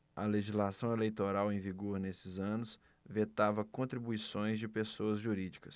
a legislação eleitoral em vigor nesses anos vetava contribuições de pessoas jurídicas